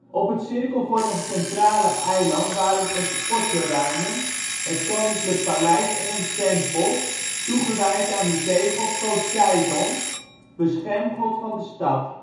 Op het cirkelvormige centrale eiland waren er sportterreinen, het koninklijk paleis en een tempel, toegewijd aan de zeegod Poseidon, beschermgod van de stad